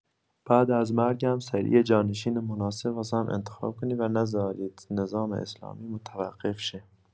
بعد از مرگم سریع یه جانشین مناسب واسم انتخاب کنید و نذارید نظام اسلامی متوقف شه.